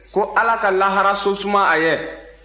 ko ala ka laharaso suma a ye